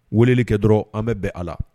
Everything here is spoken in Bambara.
Weleli kɛ dɔrɔn an bɛ bɛn a la.